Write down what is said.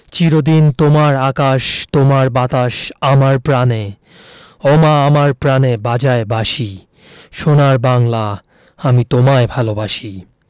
চির দিন তোমার আকাশ তোমার বাতাস আমার প্রাণে ওমা আমার প্রানে বাজায় বাঁশি সোনার বাংলা আমি তোমায় ভালোবাসি